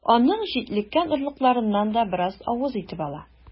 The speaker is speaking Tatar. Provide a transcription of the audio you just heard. Аның җитлеккән орлыкларыннан да бераз авыз итеп ала.